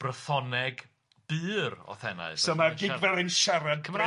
Brythoneg bur o'th henna i. So ma'r gigwraer yn siarad Cymraeg.